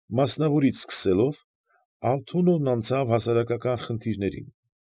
Մասնավորից սկսելով, Ալթունովն անցավ հասարակական խնդիրներին։